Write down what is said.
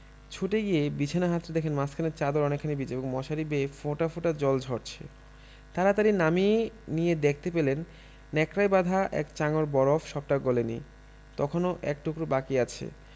ছুটে গিয়ে বিছানা হাতড়ে দেখেন মাঝখানে চাদর অনেকখানি ভিজে এবং মশারি বেয়ে ফোঁটা ফোঁটা জল ঝরছে তাড়াতাড়ি নামিয়ে নিয়ে দেখতে পেলেন ন্যাকড়ায় বাঁধা এক চাঙড় বরফ সবটা গলেনি তখনও এক টুকরো বাকি আছে